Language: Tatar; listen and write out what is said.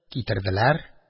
Китерделәр.